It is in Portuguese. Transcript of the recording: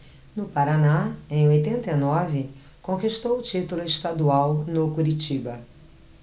no paraná em oitenta e nove conquistou o título estadual no curitiba